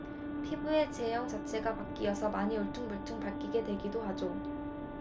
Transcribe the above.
피부의 체형 자체가 바뀌어서 많이 울퉁불퉁 바뀌게 되기도 하죠